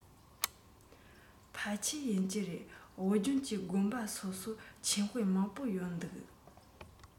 ཕལ ཆེར ཡིན གྱི རེད བོད ལྗོངས ཀྱི དགོན པ སོ སོར ཆོས དཔེ མང པོ ཡོད འདུག